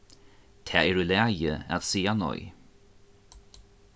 tað er í lagi at siga nei